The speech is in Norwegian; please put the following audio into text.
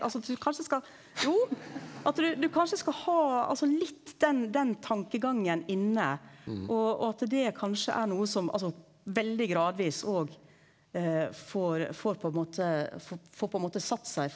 altså at du kanskje skal jo at du du kanskje skal ha altså litt den den tankegangen inne og og at det kanskje er noko som altså veldig gradvis òg får får på ein måte får får på ein måte satt seg.